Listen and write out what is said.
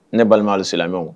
Ne balima hali silamɛmɛ